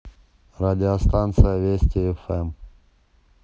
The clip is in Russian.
радиостанция вести фм